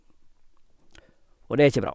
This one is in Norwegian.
Og det er ikke bra.